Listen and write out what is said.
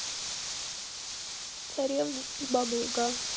царевны и баба яга